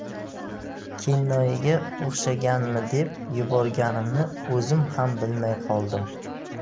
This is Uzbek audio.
kennoyiga o'xshaganmi deb yuborganimni o'zim ham bilmay qoldim